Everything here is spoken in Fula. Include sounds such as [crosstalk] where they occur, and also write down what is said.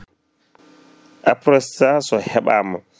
* [noise] Aprostar so heɓama